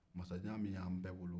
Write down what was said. masajan min y'an bɛɛ wolo